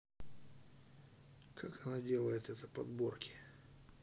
как она делает это подборки